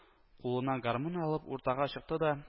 Кулына гармун алып уртага чыкты да